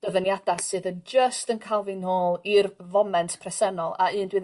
dyfyniadau sydd yn jyst yn ca'l fi nôl i'r foment presennol a un dwi...